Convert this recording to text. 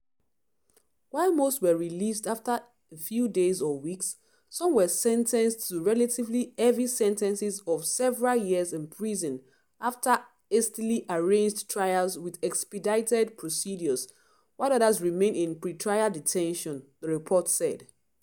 “While most were released after a few days or weeks, some were sentenced to relatively heavy sentences of several years in prison after hastily arranged trials with expedited procedures, while others remained in pretrial detention,” the report said.